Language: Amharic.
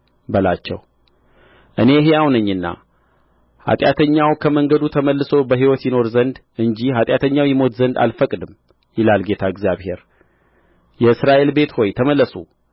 በላቸው እኔ ሕያው ነኝና ኃጢአተኛው ከመንገዱ ተመልሶ በሕይወት ይኖር ዘንድ እንጂ ኃጢአተኛው ይሞት ዘንድ አልፈቅድም ይላል ጌታ እግዚአብሔር የእስራኤል ቤት ሆይ ተመለሱ